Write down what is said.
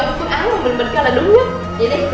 là đúng nhất vậy đi